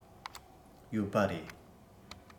ཡོད པ རེད